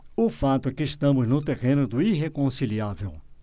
o fato é que estamos no terreno do irreconciliável